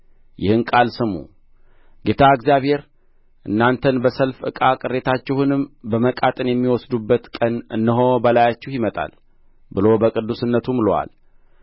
ይህን ቃል ስሙ ጌታ እግዚአብሔር እናንተን በሰልፍ ዕቃ ቅሬታችሁንም በመቃጥን የሚወስዱበት ቀን እነሆ በላያችሁ ይመጣል ብሎ በቅዱስነቱ ምሎአል